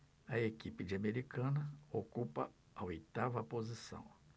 a equipe de americana ocupa a oitava posição